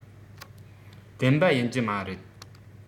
བདེན པ ཡིན གྱི མ རེད